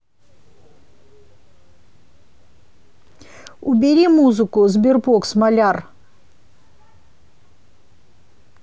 убери музыку sberbox маляр